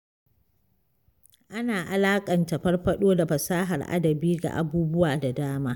Ana alaƙanta farfaɗo da fasahar adabi ga abubuwa da dama.